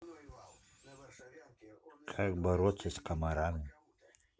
как бороться с комарами